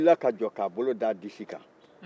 a wulila ka jɔ k'a bolo d'a disi kan